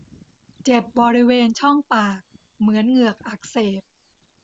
เจ็บบริเวณช่องปากเหมือนเหงือกอักเสบ